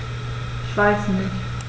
Ich weiß nicht.